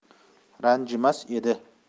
ranjimas edi